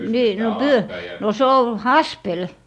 niin no - no se on haspeli